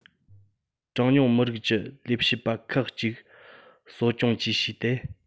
གྲངས ཉུང མི རིགས ཀྱི ལས བྱེད པ ཁག གཅིག གསོ སྐྱོང བཅས བྱས ཏེ